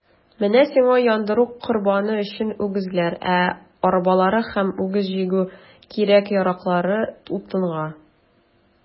Менә сиңа яндыру корбаны өчен үгезләр, ә арбалары һәм үгез җигү кирәк-яраклары - утынга.